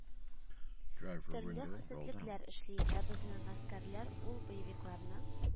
Төрле хөсетлекләр эшли, ә безнең гаскәрләр ул боевикларны